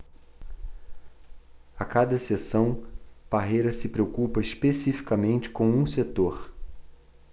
a cada sessão parreira se preocupa especificamente com um setor